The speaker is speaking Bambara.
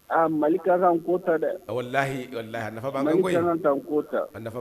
Aa mali'kan n ko ta dɛ lahiyi layi nafa n ko yan tan n ko ta nafa